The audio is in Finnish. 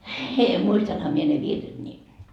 muistanhan minä ne virret niin